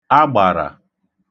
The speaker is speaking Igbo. agbàrà